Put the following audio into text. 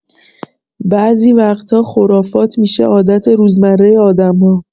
بعضی وقتا خرافات می‌شه عادت روزمره آدم‌ها.